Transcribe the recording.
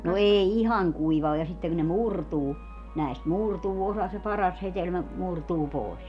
no ei ihan kuiva ole ja sitten kun ne murtuu näistä murtuu osa se paras hedelmä murtuu pois